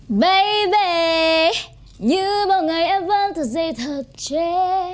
bấy bề như bao ngày em vẫn thức dậy thật trễ